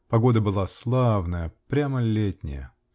Погода была славная, прямо летняя